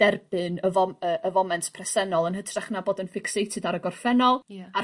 derbyn y fom- yy y foment presennol yn hytrach na bod yn fixated ar y gorffennol... Ia. ...a'r